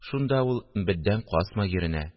Шунда ул беддән касмай йөренә